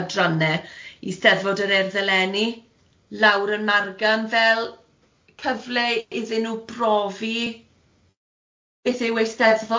adranne i Eisteddfod yr Urdd eleni lawr yn margan fel cyfle iddyn nhw brofi beth yw Eisteddfod.